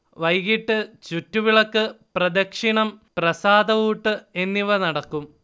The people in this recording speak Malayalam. വൈകീട്ട് ചുറ്റുവിളക്ക്, പ്രദക്ഷിണം, പ്രസാദഊട്ട് എന്നിവ നടക്കും